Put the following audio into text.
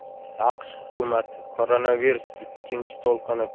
aqsh hukumati koronavirusning ikkinchi to'lqini